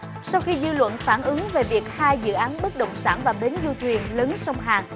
sau khi dư luận phản ứng về việc hai dự án bất động sản và bến du thuyền lấn sông hàn